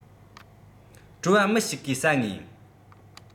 བྲོ བ མི ཞིག གིས ཟ ངེས